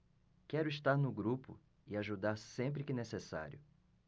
quero estar no grupo e ajudar sempre que necessário